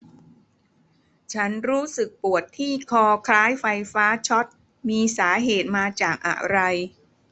ฉันรู้สึกปวดที่คอคล้ายไฟฟ้าช็อตมีสาเหตุมากจากอะไร